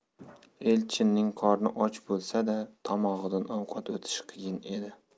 elchinning qorni och bo'lsa da tomog'idan ovqat o'tishi qiyin edi